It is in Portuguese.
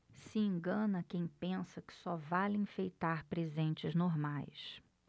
se engana quem pensa que só vale enfeitar presentes normais